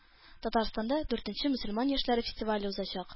Татарстанда дүртенче мөселман яшьләре фестивале узачак